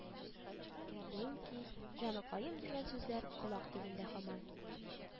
Ленькийª, ´җаныкаемª дигән сүзләре колак төбендә һаман